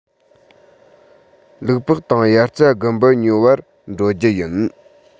ལུག པགས དང དབྱར རྩྭ དགུན འབུ ཉོ བར འགྲོ རྒྱུ ཡིན